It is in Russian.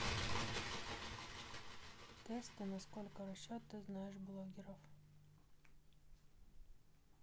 тесты на сколько расчет ты знаешь блогеров